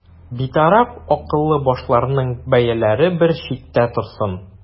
Битараф акыллы башларның бәяләре бер читтә торсын.